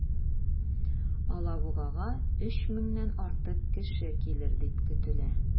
Алабугага 3 меңнән артык кеше килер дип көтелә.